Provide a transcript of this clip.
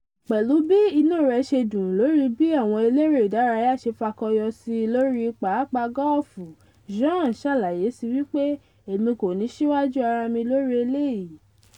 Pẹ̀lú bí inú rẹ̀ ṣe dùn lórí i bí àwọn elére ìdárayá rẹ̀ ṣe fakọyọ sí lórí pápá gọ́ọ̀fù, Bjorn ṣàláyè sí wípé: "Èmi kò ní síwájú ara mi lórí eléyìí.